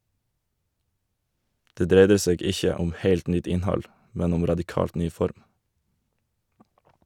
Det dreidde seg ikkje om heilt nytt innhald , men om radikalt ny form.